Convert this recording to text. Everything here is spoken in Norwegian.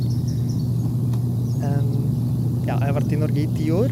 Ja, jeg har vært i Norge i ti år.